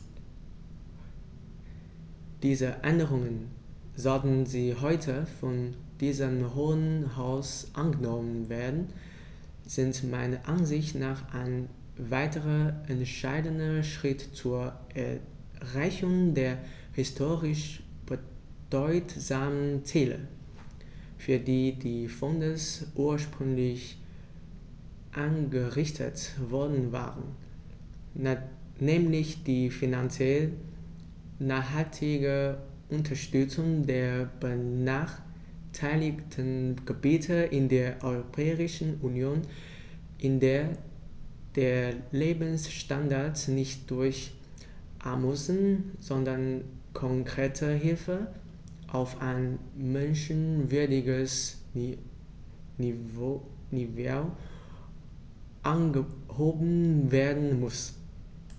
Diese Änderungen, sollten sie heute von diesem Hohen Haus angenommen werden, sind meiner Ansicht nach ein weiterer entscheidender Schritt zur Erreichung der historisch bedeutsamen Ziele, für die die Fonds ursprünglich eingerichtet worden waren, nämlich die finanziell nachhaltige Unterstützung der benachteiligten Gebiete in der Europäischen Union, in der der Lebensstandard nicht durch Almosen, sondern konkrete Hilfe auf ein menschenwürdiges Niveau angehoben werden muss.